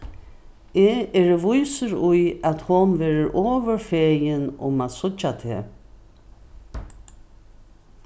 eg eri vísur í at hon verður ovurfegin um at síggja teg